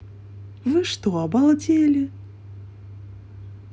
вы что обалдели